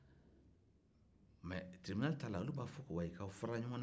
mais tiribinali ta la olu b'a fɔ ko wayi ko aw farala ɲɔgɔn na